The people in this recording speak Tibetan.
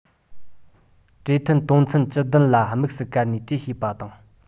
གྲོས མཐུན དོན ཚན བཅུ བདུན ལ དམིགས སུ བཀར ནས གྲོས བྱས པ དང